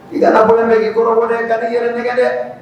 I yalakolon bɛ k'i kɔrɔ bɔden ka yɛrɛ nɛgɛ dɛ